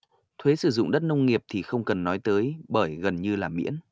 thuế sử dụng đất nông nghiệp thì không cần nói tới bởi gần như là miễn